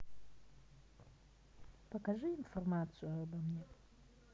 покажи информацию обо мне